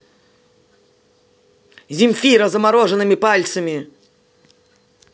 земфира замороженными пальцами